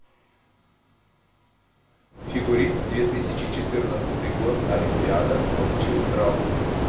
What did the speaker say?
фигурист две тысячи четырнадцатый год олимпиада получил травму